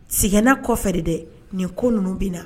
Sɛgɛnna kɔ fɛ de dɛ nin ko ninnu bɛ na.